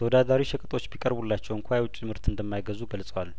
ተወዳዳሪ ሸቀጦች ቢቀርቡላቸው እንኳ የውጭምርት እንደማይገዙ ገልጸዋል